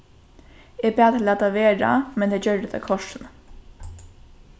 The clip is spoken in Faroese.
eg bað tey lata vera men tey gjørdu tað kortini